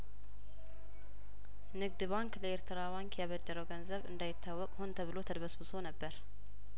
ንግድ ባንክ ለኤርትራ ባንክ ያበደ ረው ገንዘብ እንዳይታወቅ ሆን ተብሎ ተድ በስብሶ ነበር